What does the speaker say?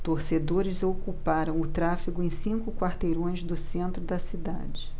torcedores ocuparam o tráfego em cinco quarteirões do centro da cidade